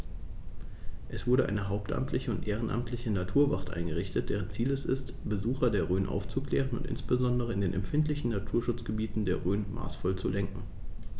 Es wurde eine hauptamtliche und ehrenamtliche Naturwacht eingerichtet, deren Ziel es ist, Besucher der Rhön aufzuklären und insbesondere in den empfindlichen Naturschutzgebieten der Rhön maßvoll zu lenken.